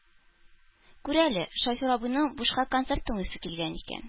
Күр әле, шофер абыйның бушка концерт тыңлыйсы килгән икән